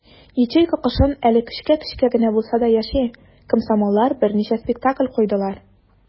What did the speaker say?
Ячейка кышын әле көчкә-көчкә генә булса да яши - комсомоллар берничә спектакль куйдылар.